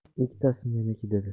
ikkitasi meniki dedi